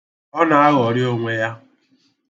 Ọ na-aghọrị onwe ya